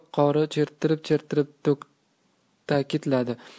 qori chertib chertib ta'kidladi